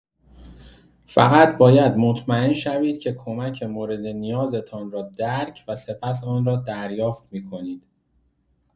فقط باید مطمئن شوید که کمک موردنیازتان را درک و سپس آن را دریافت می‌کنید.